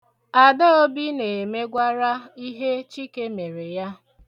Adaobi na-emegwara ihe Chike mere ya.